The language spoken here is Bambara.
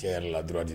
Cɛ yɛrɛ la droit